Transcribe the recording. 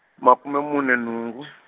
makume mune nhungu.